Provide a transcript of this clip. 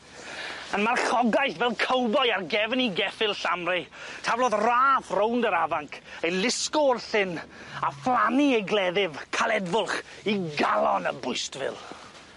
Yn marchogaeth fel cowboi ar gefn 'i geffyl Llanri taflodd raff rownd yr afanc ei lysgo o'r llyn a phlannu ei gleddyf caledfwlch i galon y bwystfil.